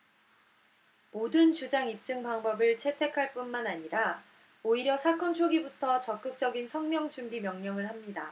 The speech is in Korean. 모든 주장 입증 방법을 채택할 뿐만 아니라 오히려 사건 초기부터 적극적인 석명준비 명령을 합니다